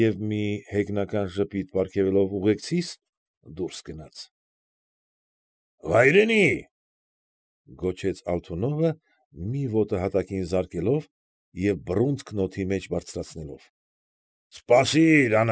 Եվ, մի հեգնական ժպիտ պարգևելով ուղեկցիս, դուրս գնաց։ ֊ Վայրենի՛,֊ գոչեց Ալթունովը, մի ոտը հատակին զարկելով և բռունցքն օդի մեջ բարձրացնելով։֊ Սպասի՛ր,